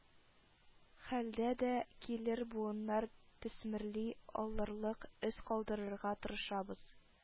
Хәлдә дә, килер буыннар төсмерли алырлык эз калдырырга тырышабыз